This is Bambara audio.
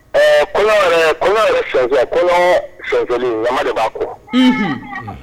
Ɛ kolo kolo son de b'a ko